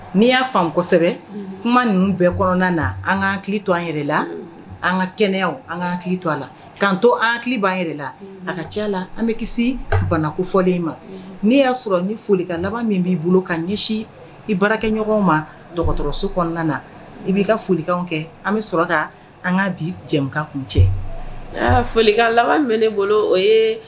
N'i y'a kosɛbɛ ninnu bɛɛ kɔnɔna na an kaan to an yɛrɛ la an ka kɛnɛya an kaan to a la k'an to an b' an yɛrɛ la a ka cɛ a la an bɛ kisi banafɔlen ma n'i y'a sɔrɔ ni folika laban min b'i bolo ka ɲɛsin i baara kɛ ɲɔgɔn ma dɔgɔtɔrɔso kɔnɔna na i b'i ka foli kɛ an bɛ su an ka bi jɛ kun cɛ foli laban mɛn ne bolo o ye